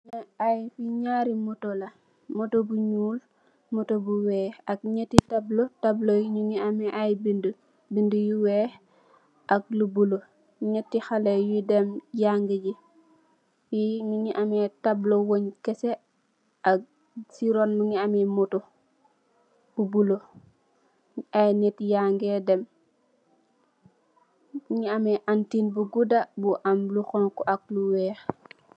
Ay naari moto la moto bu nuul moto bu week ak neeti tablo tablo yi nyugi am ay benda benda yu weex ak lu bulo neeti xale yu dem jangiji Fi mogi am tablo wong keseh ak si runn mogi ameh moto bu bulo ay nit yageh dem mogi ameh anten bu guda bu am lu xonxa am lu weex.